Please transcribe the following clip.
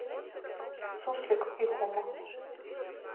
суслик и хома